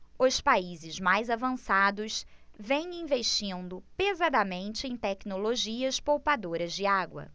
os países mais avançados vêm investindo pesadamente em tecnologias poupadoras de água